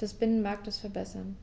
des Binnenmarktes verbessern.